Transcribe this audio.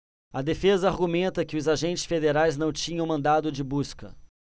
a defesa argumenta que os agentes federais não tinham mandado de busca